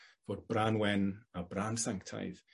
fod brân wen a brân sanctaidd